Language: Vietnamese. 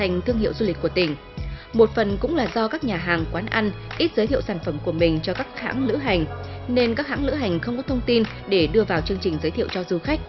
thành thương hiệu du lịch của tỉnh một phần cũng là do các nhà hàng quán ăn ít giới thiệu sản phẩm của mình cho các hãng lữ hành nên các hãng lữ hành không có thông tin để đưa vào chương trình giới thiệu cho du khách